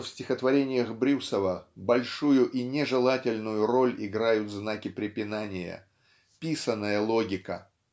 что в стихотворениях Брюсова большую и нежелательную роль играют знаки препинания писанная логика.